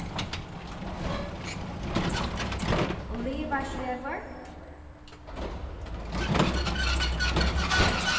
olivarsvegur